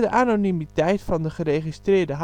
anonimiteit van de geregistreerde